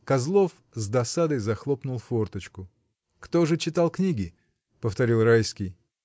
Козлов с досадой захлопнул форточку. — Кто же читал книги? — повторил Райский.